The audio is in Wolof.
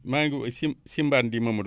maa ngi wo Sim Simbane gi Momadou